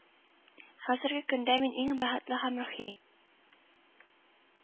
Хәзерге көндә мин иң бәхетле һәм рухи